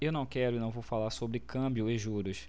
eu não quero e não vou falar sobre câmbio e juros